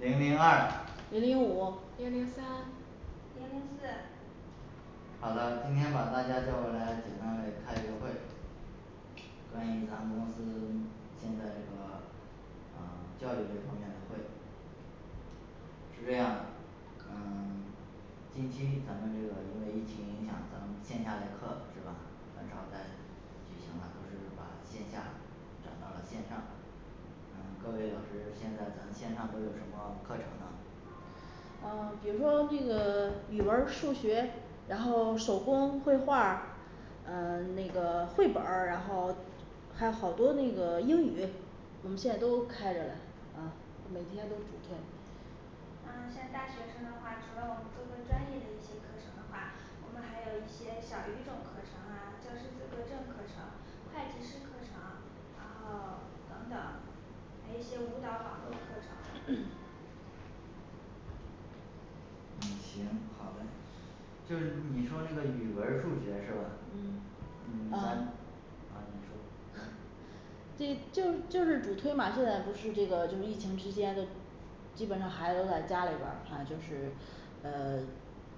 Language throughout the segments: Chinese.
零零二零零五零零三零零四好了，今天把大家叫过来，给他们开一个会关于咱们公司 现在这个啊教育这方面的会是这样的嗯 近期咱们这个因为疫情影响咱们线下的课是吧然后再举行吧就是把线下转到了线上嗯各位老师，现在咱们线上都有什么课程呢 啊比如说那个语文儿、数学，然后手工绘画儿嗯那个绘本儿，然后还有好多那个英语我们现在都开着嘞，嗯每天都主推嗯像大学生的话，除了我们各个专业的一些课程的话我们还有一些小语种课程啊，教师资格证课程，会计师课程啊然后等等还有一些舞蹈网络课程嗯行好的，就你说语文儿数学是吧嗯嗯啊咱啊你说 这就就是主推嘛现在不是这个就疫情之间的，基本上孩子都在家里边儿反正就是呃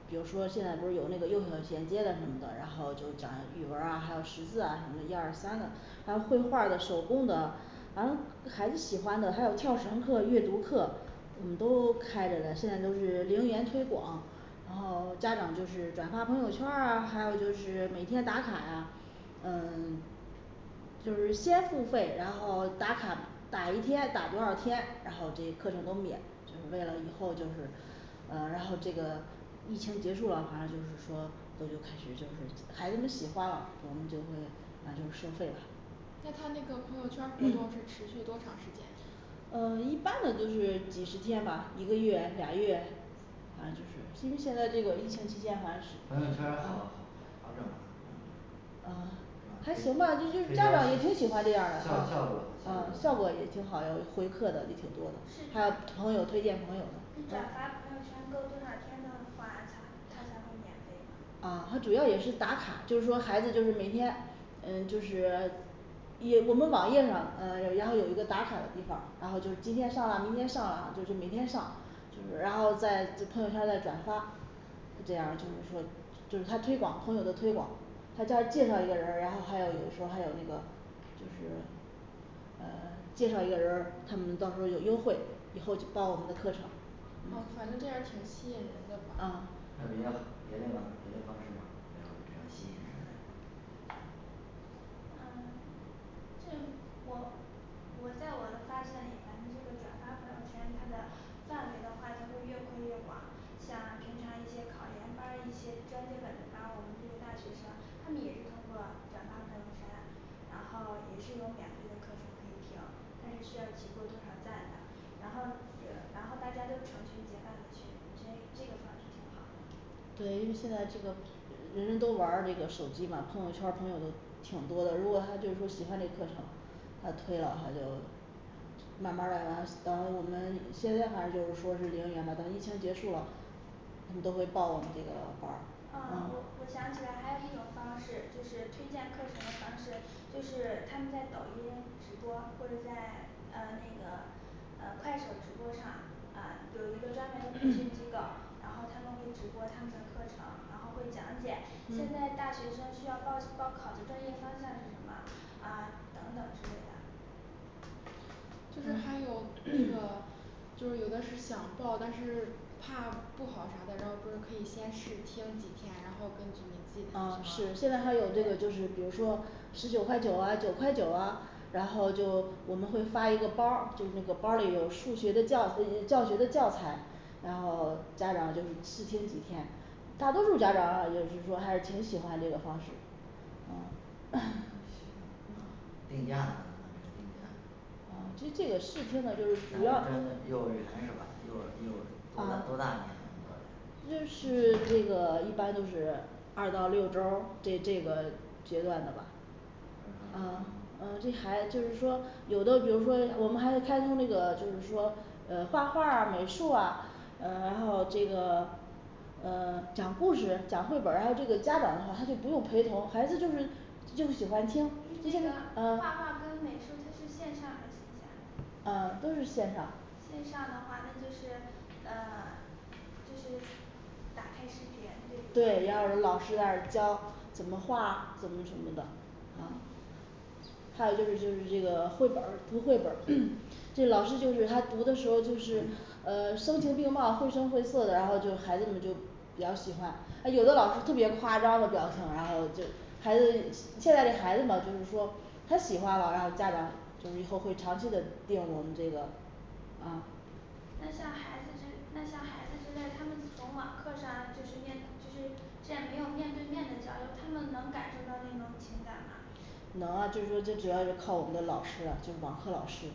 比如说现在不是有那个幼小衔接的什么的，然后就讲语文儿啊还有识字什么一二三的，然后绘画儿的手工的反正孩子喜欢的还有跳绳儿课，阅读课我们都开着嘞，现在都是零元推广，然后家长就是转发朋友圈儿啊，还有就是每天打卡呀 就是先付费，然后打卡打一天打多少天，然后这些课程都免，就是为了以后就是，呃然后这个疫情结束了反正就是说都就开始就是孩子们喜欢了，我们就会那就是收费吧那他那个朋友圈可能会持续多长时间嗯一般的都是几十天吧一个月、俩月反正就是其实现在疫情期间开始朋友圈儿好好整吗啊还行吧，就就就家长也挺喜欢这样儿的啊效效果嗯效果也挺好，有回客的也挺多还有朋友推荐朋友你转嗯发朋友圈够多少天的话才能才能免费 他主要也是打卡，就是说孩子每天嗯就是也我们网页上，嗯然后有一个打卡的地方，然后今天上啊明天上啊就是每天上就是然后在朋友圈再转发，这样儿就是说就是他推广朋友的推广，他他介绍一个人儿，然后还有说有时还有那个就是介绍一个人儿，他们到时候儿有优惠，以后就报我们的课程啊嗯反正这样挺吸引人的啊还有别的别的呢别的方式呢比较比较吸引人的地方嗯就我我在我的发现里面那个转发朋友圈它的赞美的话就会越推越广像平常一些考研班儿一些专接本，然后我们这些大学生他们也是通过转发朋友圈，然后也是有免费的课程可以这样但是需要集够多少赞的然后然后大家都成群结伴的去所以这个方式然后我觉得对，因为现在这个人人都玩儿那个手机嘛朋友圈儿朋友都挺多的如果他就是说喜欢这个课程他推了他就慢儿慢儿的来，等我们现在反正就是说是零元嘛等疫情结束了，他们都会报我们这个班儿啊我我想起来还有一种方式就是推荐课程的方式，就是他们在抖音直播或者在嗯那个嗯快手直播上啊有一个专门培训机构然后他们会直播他们的课程，然后会讲解现在大学生需要报报考的专业方向是什么啊等等之类的就是还有那个就有的是想报，但是怕不好啥的，然后不是可以先试听几天，然后就嗯啊是现在还有这个就是比如说十九块九啊九块九啊然后就我们会发一个包儿，就是那个包里有数学的教就是教学的教材，然后家长就是试听几天，大多数儿家长就是说还是挺喜欢这个方式哦 嗯行定价呢就定价嗯其实这个试听呢就是咱们主要啊针幼儿园是吧幼儿幼儿多大多大年龄呢幼儿园就是这个一般都是二到六周儿这这个阶段的吧啊呃这还就是说有的比如说我们还的开通这个就是说呃画画儿啊美术啊，呃然后这个呃讲故事讲绘本儿，然后这个家长的话他就不用陪同孩子，就是又喜欢听你现在画嗯画儿跟念书是线上的那些呃都是线上线上的话那就是呃就是打开视频对要有老师在那儿教怎么画怎么什么的嗯，还有就是就是这个绘本儿读绘本儿， 就老师就是他读的时候就是呃声情并茂绘声绘色的然后就孩子们就比较喜欢呃有的老师特别夸张的表情，然后就孩子现在这孩子嘛就是说他喜欢了然后家长就以后会长期的定我们这个啊那像孩子就是那像孩子之类，他们从网课上就是面就是在没有面对面的交流，他们能感受到那种情感吗？能啊，就是说这主要是靠我们的老师了就网课老师，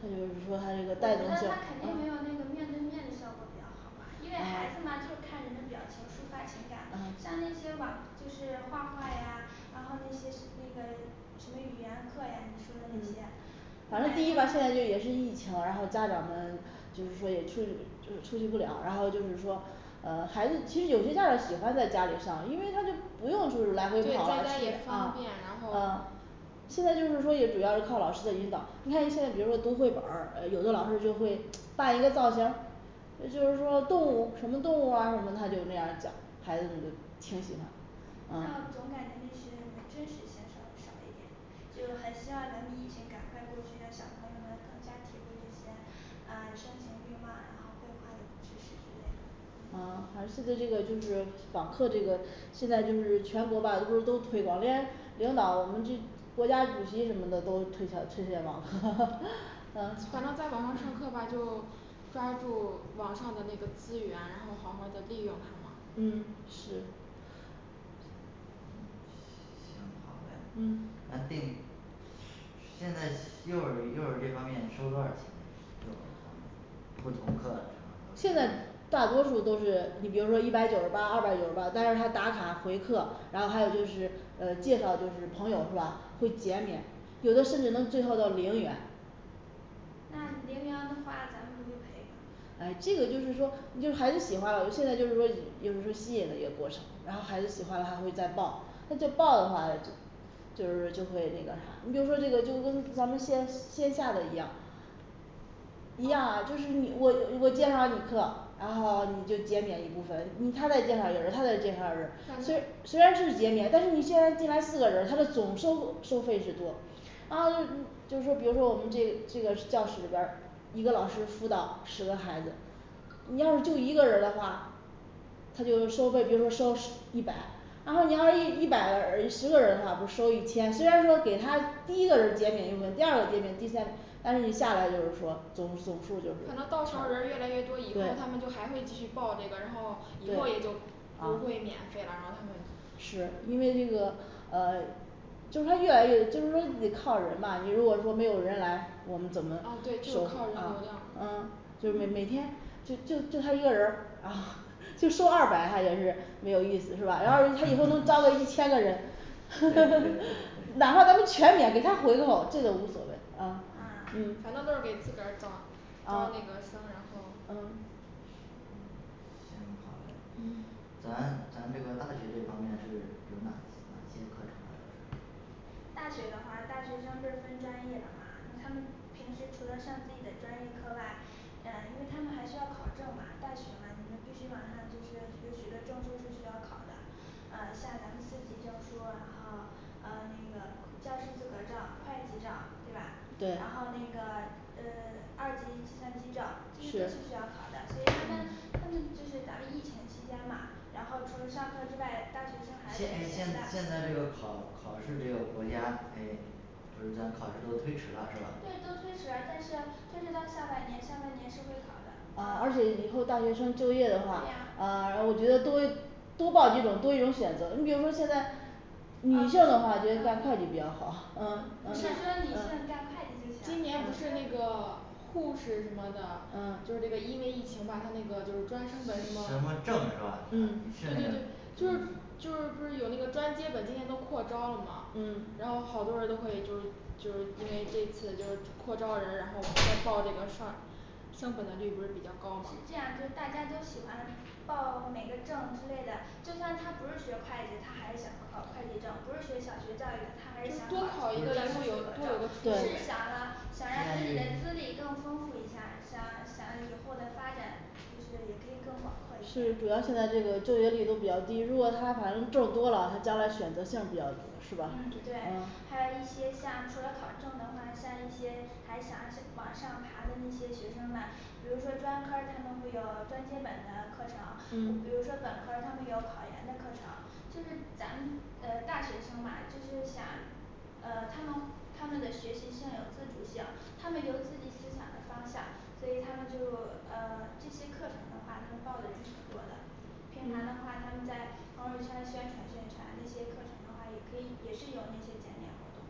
他就是说他那这个带动性啊他肯嗯定没嗯有啊那种面对面交流比较好，因为孩子嘛就看着你表情，抒发情感，但是在网就是画画呀，然后就是那个什么语言课呀什么之类那些嗯反正第一嘛现在就也是疫情，然后家长们就是说也出去就出去不了，然后就是说呃孩子其实有些家长喜欢在家里上，因为他就不用就是来回对跑大家也方啊便然后啊现在就是说也主要是靠老师的引导，你看现在比如说读绘本儿呃有的老师就会办一个造型，呃就是说动物什么动物儿啊什么他就那样讲孩子们就挺喜欢然后总感啊觉那是就是那种小一点，然后汇款也不支持之类的呃反正现在这个就是网课这个现在就是全国吧不是都推广，连领导我们这国家主席什么的都推销推荐网 嗯好反正在网上上课吧，就抓住网上的那个资源，然后好好的利用它嗯是嗯那定是现在是幼儿幼儿这方面收多少钱幼儿这方面不同课程现在大多数都是你比如说一百九十八二百九十八，但是他打卡回客，然后还有就是呃介绍就是朋友是吧？会减免，有的甚至能最后到零元那零元的话咱们不会赔本儿哎这个就是说你就孩子喜欢了，我现在就是说有时候吸引的一个过程，然后孩子喜欢了还会再报他就报的话，就是就会那个啥你比如说这个就跟咱们线线下的一样一样啊，就是你我我介绍你课，然后你就减免一部分，你他在介绍一个人儿。在介绍一个人儿虽虽然是减免，但是你现在进来四个人，他的总总收费是多然后就是你就是说比如说我们这这个教室里边儿一个老师辅导十个孩子，你要是就一个人儿的话他就收费，比如说收十 一百然后你要一一百个人儿十个人儿的话不收一千，虽然说给他第一个人儿减免一部分，第二个减免第三但是你下来就是说总总数就是差可对能到对时候儿人儿越来越多他们还会继续去报那班儿，然后我也就不会啊免费啦然后就是因为这个呃就他越来越就是说得靠人儿嘛你如果说没有人来我们怎么啊对就是收靠人流啊量嗯就是每每天就就就他一个人儿啊就收二百，他也是没有意思是吧？然后他以后能招到一千个人 哪怕咱们全免给他回扣，这都无所谓啊反正都是给自个人儿招嗯然后啊那个就然后嗯行好嘞嗯咱咱这个大学这方面是有哪哪些课程啊咱大学的话大学生就是分专业的嘛，他们平时除了上自己的专业课外，呃因为他们还是要考证嘛大学嘛你们必须马上就是有许多证书是需要考的呃像咱们四级证书然后呃那个教师资格证、会计证对吧？然后对那个呃二级计算机证其实是是需要考的所以他们他们就是咱们疫情期间嘛然后除了上课之外现诶现现在这个考考试这个国家诶不是咱考试都推迟啦是变吧？更推迟了，但是说推迟到下半年下半年就会涨的啊而且以后大学生就业的话，啊我觉得多多报几种多一种选择，你比如说现在女性的话觉得干会计比较好嗯现在女性嗯干会计啊今年不嗯是那个护士什么的，嗯就是这个因为疫情吧他那个就什么证专升本那个是吧嗯现对对在对就不是有那个专接本那个都扩招了嘛，嗯然后好多人都会就就是因为这一次扩招人儿，然后都报那个什么，升本率不是高吗现在不是大家都喜欢报每个证之类的，就算他不是学会计，他还是想考会计证，不是学小学教育，他还是想多考考一个，然后有个证对想让自己的资在历更丰富一下，想想以后的发展，也可以跟我是主要现在这个就业率都比较低，如果他反正证多了，他将来选择性比较多。是吧嗯对啊还有一些像除了考证的话，像一些还是想往上爬的那些学生们，比如说专科儿他们会有专接本的课程，比嗯如说本科儿他们有考研的课程就是咱们呃大学生嘛就是想呃他能他们这个学习性有自主性，他们有自己成长的框架，所以他们这个呃这些课程的话他们报的人是挺多的平台的话，他们在朋友圈儿宣传宣传那些课程话，也可以也是有那些减免的。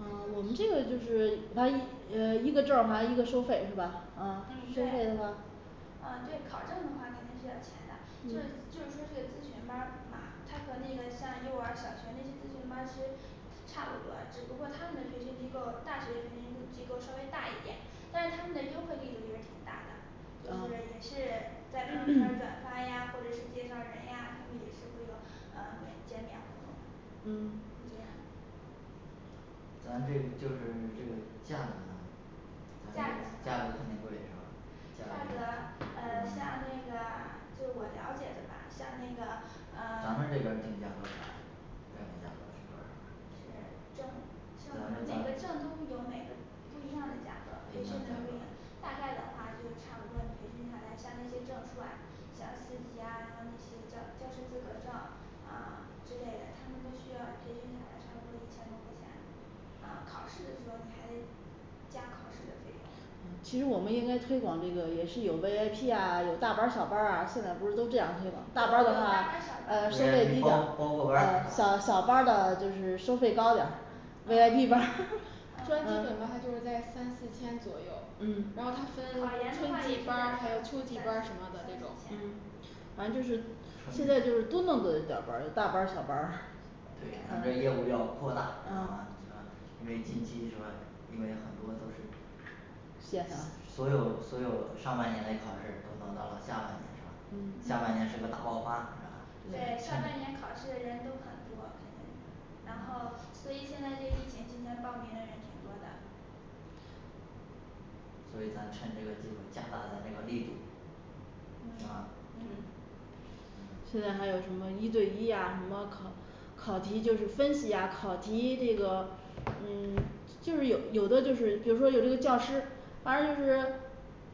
啊我们这个就是反正呃一个证儿反正一个收费是吧？嗯啊收费对的话啊在考证儿的话肯定是要钱的就是嗯就是说这个咨询班儿嘛他和那个像幼儿小学那些咨询班儿其实差不多，只不过他们的培训机构大学的培训机构稍微大一点但是他们的优惠力度不是挺大的就是也是啊在朋友圈儿转发呀或者是介绍人呀他们就会有呃免减免嗯咱们这个就是这个价呢价咱这格价格肯定贵是吧嗯价格呃像那个就是我了解的吧像那个咱们这边儿定价多少一样的价格是吧呃嗯对证每个证都会有每个证不一样的价格所以收费不一样大概的话就是差不多你培训下来，像一些证书啊，然后四级啊就像教师资格证儿呃之类的他们都需要培训啊考试的时候还加考试的这种嗯其实我们应该推广这个也是有V I P啊，有大班儿小班儿啊现在不是都这样推广大班儿的话 V 呃收费 I 低 P 点儿包，包过班嗯小小儿班儿的就是收费高点儿 V I P班 专接本的话就是在三四千左右考研的话考然后还研分的春创季意班班儿，儿还有秋季班儿什么的那种嗯嗯嗯反正就是现在就是多弄个小班儿大儿班小班儿 对咱们的啊业务要扩大咱们啊因为近期是吧，因为很多都是线上所有所有上半年嘞考试都挪到了下半年嗯下半年是个大爆发对，下半嗯年考试的人都很多然后所以现在这个疫情期间报名的人挺多的所以咱趁这个机会加大它这个力度，行吧？嗯嗯现在还有什么一对一啊什么考考题就是分析啊考题这个嗯，就是有有的比如说有教师，反正就是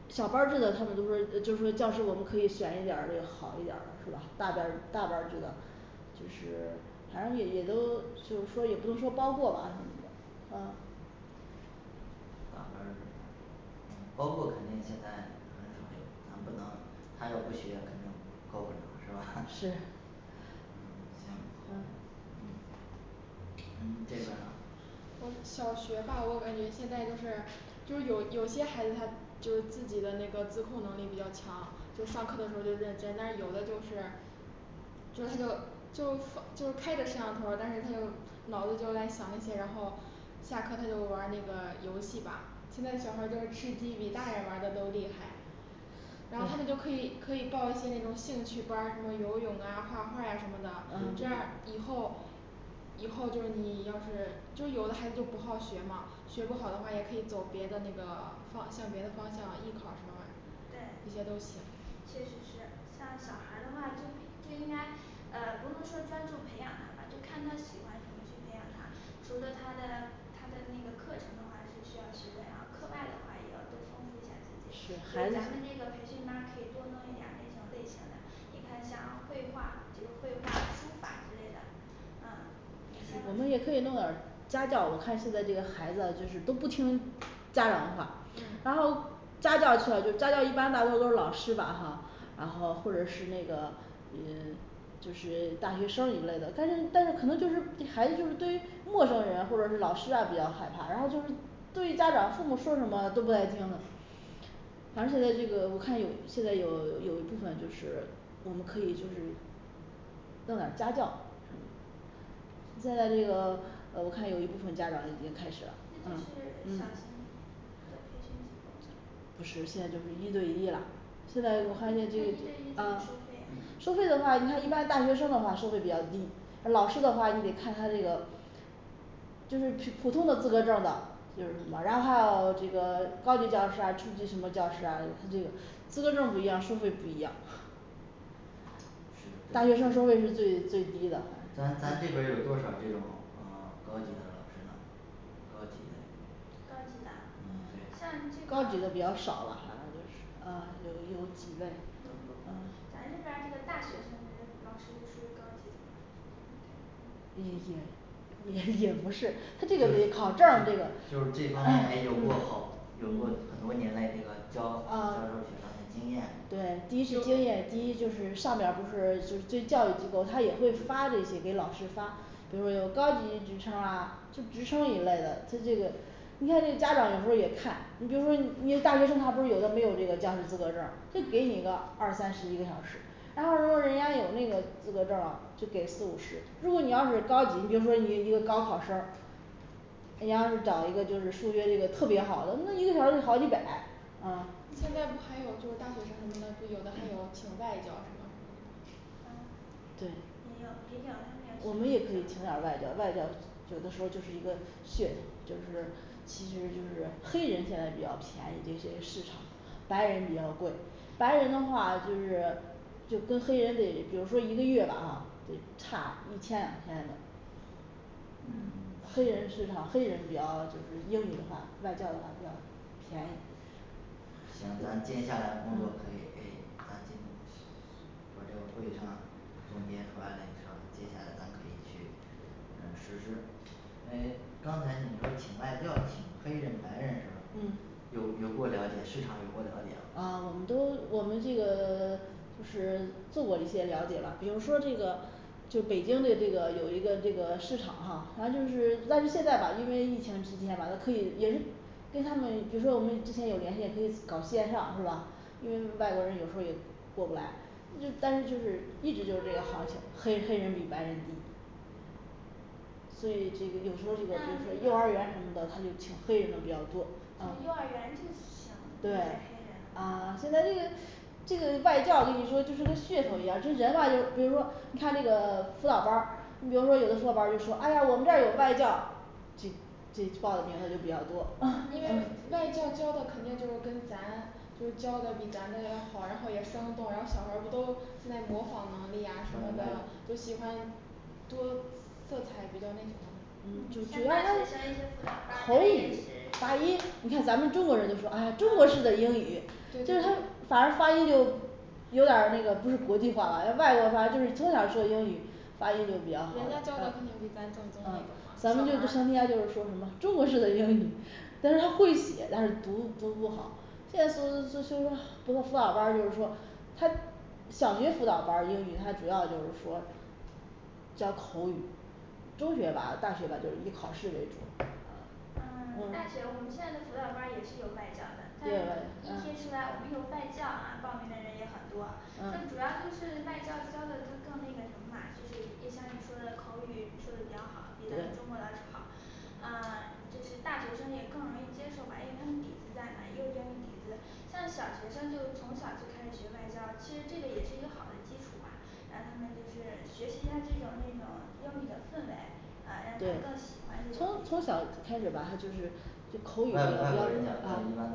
小班儿制的他们都是呃就是说教师我们可以选一点儿这个好一点儿是吧？大班儿大班儿制的就是反正也也都就是说也不能说包过吧什么的啊大班儿制嗯包过肯定现在咱不能他要不学肯定包不了是吧 嗯是行嗯嗯你这边儿呢就小学吧我感觉现在就是就有有些孩子他就自己的那个自控能力比较强，就上课的时候就认真，但有的就是就是他就就就开着摄像头儿但是他就脑子就来想一些然后下课他就玩儿这个游戏吧，现在小孩儿都是吃鸡，比大人玩儿的都厉害然后他就对可以可以报一些那种兴趣班儿什么游泳啊画画儿呀什么的这样嗯儿以后以后就是你要是就是有的孩子不好学嘛，学不好的话，也可以走别的那个方向别的方向艺考什么的对这些都行确实是像小孩儿的话，就就应该呃不会说专注培养他嘛，就看他喜欢去培养他。除了他在他在那个课程的话，就是要学会课外的话也要沟通一下儿是就孩咱子们这个培训班儿可以多弄一点儿这个这些的，你看像绘画学绘画书法之类的嗯我们也可以弄点儿家教，我看现在这个孩子啊就是都不听家长的话，然后家教课就，就家教一般大多都是老师吧哈。然后或者是那个嗯 就是大学生一类的，但是但是可能就是孩子就是对于陌生人或者是老师啊比较害怕，然后就是对于家长父母说什么都不带听的反正就说这个我看有现在有有一部分就是我们可以就是弄点儿家教， 现在这个呃我看有一部分家长已经开始了嗯就嗯是不是现在就是一对一了，现在我发现这个啊收费的话，你看一般大学生的话收费比较低，老师的话你得看他这个就是比普通的资格证的就是什么然后还有这个高级教师啊初级什么教师啊这个，资格证儿不一样，收费不一样 大学生收费是最最低的咱咱这边儿有多少这种啊高级的教师呢高级的高级的但这个嗯嗯高咱级的比较少吧反正就是嗯有有几位嗯这边儿是大学生低一些也也不是 他这个得考证儿这个 就是嗯最高还得有嗯过啊考有过很多年嘞这个教教授经验对第一是经验第一就是，上面儿不是就对教育机构，他也会发这些给老师发，比如说有高级职称儿啊就职称一类的，就这个你像这家长有时候儿也看，你比如说你你大学生他不是有的没有教师资格证儿，就给你一个二三十一个小时，然后如果人家有那个资格证儿了就给四五十如果你要是高级，你就说你一个高考生儿你要是找一个就是数学这个特别好的那一个小时得好几百，啊现在不还有就是家里有的时候请外教是吧？对我们也可以请点儿外教，外教有的时候就是一个噱头就是，其实就是黑人现在比较便宜这些市场白人比较贵，白人的话就是就跟黑人得比如说一个月吧哈得差一千两千的嗯黑人市场，黑人比较就是英语的话，外教的话比较便宜。行，咱们接下来工作诶咱可以去把这个会议上总结出来嘞是吧，接下来咱可以去嗯实施。呃刚才你说请外教请黑人白人是吧嗯有有过了解市场有过了解啊我们都我们这个 就是做过一些了解吧，比如说这个就北京的这个有一个这个市场哈，反正就是但是现在吧因为疫情期间吧他可以也是跟他们比如说我们之前有联系也可以搞线上是吧？因为外国人有时候也过不来，就但是就是一直就是这个行情黑黑人比白人低所以这个有时候儿这个比如说幼儿园什么的，他就请黑人的比较多嗯那幼儿园对。呃现在这个这个外教跟你说就是跟噱头一样，就是人嘛就比如说你看这个辅导班儿你比如说有的辅导班儿就说哎呀我们这儿有外教去去报的名的就比较多嗯因嗯为外教教的很多就是跟咱就教的比咱那个还好，然后也生动，然后小孩儿不都是在模仿能力呀什么的。就喜欢。就色彩比较那什么嗯就主要他是口语发音，你看咱们中国人都说哎呀中国式的英语，就是他反而发音就有点未那个不是国际化了，要外国话就是从小未说英语发音就比有较好那呃个嗯咱们就成天就是说什么中国式的英语， 但是他会写，但是读读不好现在四不四就是辅导班儿就是说他小学辅导班儿英语它主要就是说教口语，中学吧大学吧就是以考试为主呃嗯大学我们现在这辅导班儿也是有外教嗯这个嗯嗯的，一接出来我们有外教啊报名的人也很多，呃就主要就是外教教的就更那个什么嘛就像你说的口语说的比较好比咱中国的更好嗯就是大学生也更容易接受吧，因为他们底子在有点底子，像小学生就从小就开始学外教，其实这个也是一个好的基础吧让他们就是学习一下这个那个英语的氛围啊让他更喜欢对从从小开始吧他就是就口语比较标准啊呃